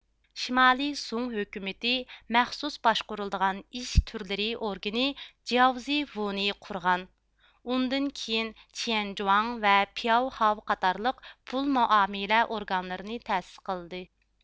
شىمالىي شۇڭ ھۆكۈمىتى مەخسۇس باشقۇرۇلىدىغان ئىش تۈرلىرى ئورگىنى جياۋزى ۋۇ نى قۇرغان ئۇندىن كېيىن چيەنجۇاڭ ۋە پياۋخاۋ قاتارلىق پۇل مۇئامىلە ئورگانلىرىنى تەسىس قىلدى